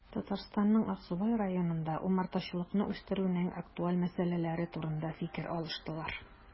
Татарстанның Аксубай районында умартачылыкны үстерүнең актуаль мәсьәләләре турында фикер алыштылар